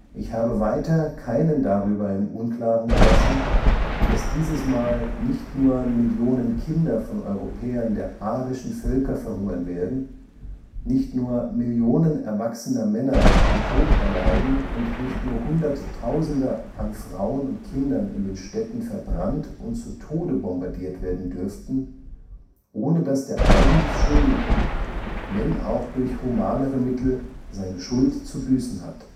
Ich habe weiter keinen darüber im Unklaren gelassen, dass dieses Mal nicht nur Millionen Kinder von Europäern der arischen Völker verhungern werden, nicht nur Millionen erwachsener Männer den Tod erleiden und nicht nur Hunderttausende an Frauen und Kindern in den Städten verbrannt und zu Tode bombardiert werden dürften, ohne dass der eigentlich Schuldige, wenn auch durch humanere Mittel, seine Schuld zu büßen hat